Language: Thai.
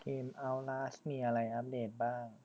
เกมเอ้าลาสมีอะไรอัปเดตบ้าง